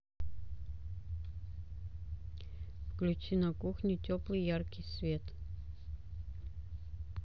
включи на кухне теплый яркий свет